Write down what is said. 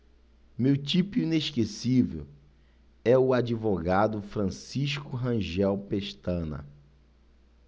meu tipo inesquecível é o advogado francisco rangel pestana